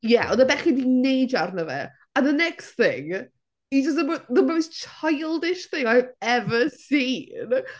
Ie oedd y bechgyn 'di neidio arno fe. And the next thing he does the m- the most childish thing i've ever seen!